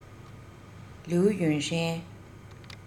ལིའུ ཡུན ཧྲན